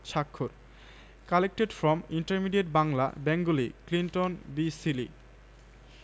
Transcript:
চট্টগ্রাম বিশ্ববিদ্যালয়ের অর্থনীতি বিভাগ চট্টগ্রাম কলেজ এবং চট্টগ্রাম সরকারি বাণিজ্য কলেজের চট্টগ্রাম জেলা কর্তৃপক্ষ